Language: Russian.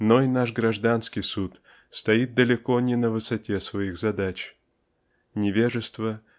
Но и наш гражданский суд стоит далеко не на высоте своих задач. Невежество